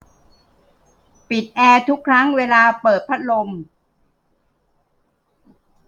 ปิดแอร์ทุกครั้งเวลาเปิดพัดลม